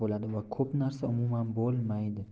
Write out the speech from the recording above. bo'ladi va ko'p narsa umuman bo'lmaydi